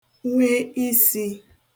nwe isī